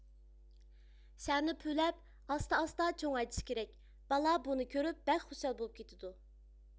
شارنى پۈۋلەپ ئاستا ئاستا چوڭايتىش كېرەك بالا بۇنى كۆرۈپ بەك خۇشال بولۇپ كېتىدۇ